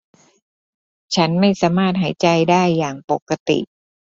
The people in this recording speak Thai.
ฉันไม่สามารถหายใจได้อย่างปกติ